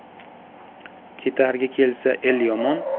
ketarga kelsa el yomon